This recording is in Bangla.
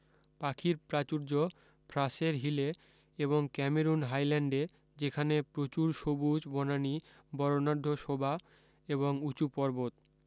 পাখির প্রাচুর্য ফ্রাসের হিলে এবং ক্যামেরুন হাইল্যান্ডে যেখানে প্রচুর সবুজ বনানী বরণাঢ্য শোভা এবং উঁচু পর্বত